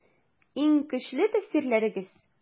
Иң көчле тәэсирләрегез?